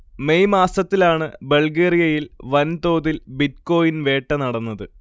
May മാസത്തിലാണ് ബൾഗേറിയയിൽ വൻതോതിൽ ബിറ്റ്കോയിൻ വേട്ട നടന്നത്